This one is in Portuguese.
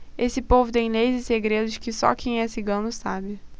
esse povo tem leis e segredos que só quem é cigano sabe